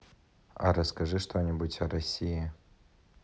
а расскажи что нибудь о россии